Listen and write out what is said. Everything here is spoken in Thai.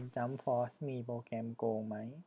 เกมจั๊มฟอสมีโปรแกรมโกงไหม